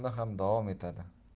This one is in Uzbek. ham davom etadi